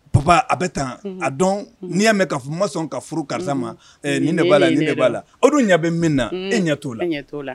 Baba a bɛ taa a dɔn n'i y' mɛn ka kuma ma sɔn ka furu karisa ma nin b'a la b'a la awdu ɲɛ bɛ min na e ɲɛ' la ɲɛ t' la